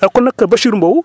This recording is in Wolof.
kon nag Bachir Mbow